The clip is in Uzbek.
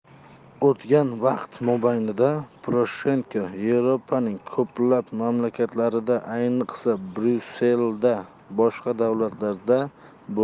o'tgan vaqt mobaynida poroshenko yevropaning ko'plab mamlakatlarida ayniqsa bryusselda boshqa davlatlarda bo'ldi